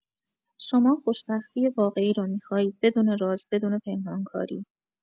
شما خوشبختی واقعی را می‌خواهید، بدون راز، بدون پنهان‌کاری.